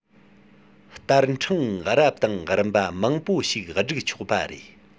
སྟར ཕྲེང རབ དང རིམ པ མང པོ ཞིག སྒྲིག ཆོག པ རེད